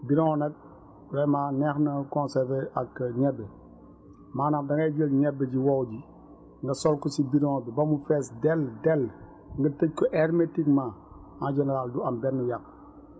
bidon nag vraimen neex na conserver ak ñebe maanaam dangay jël ñebe ju wow ji nga sol ko si bidon bi ba mu fees dell dell nga tëj ko hermétiquement en général du am benn yàqu